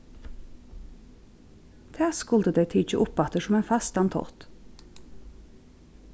tað skuldu tey tikið upp aftur sum ein fastan tátt